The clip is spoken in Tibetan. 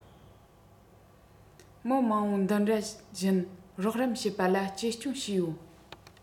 མི མང པོ འདི འདྲ བཞིན རོགས རམ བྱེད པ ལ གཅེས སྐྱོང བྱས ཡོད